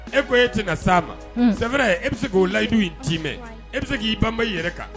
E ko e tɛna ka sa ma sɛ e bɛ k'o layidu' d'imɛ e bɛ se k'i banba yɛrɛ kan